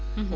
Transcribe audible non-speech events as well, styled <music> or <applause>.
<hesitation> <hesitation>